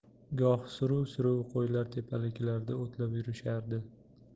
goh suruv suruv qo'ylar tepaliklarda o'tlab yurishardi